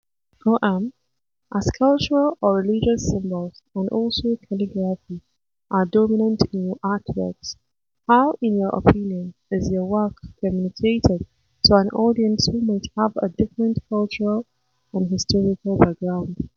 OM: As cultural/religious symbols and also calligraphy are dominant in your artworks, how, in your opinion, is your work communicated to an audience who might have a different cultural and historical background?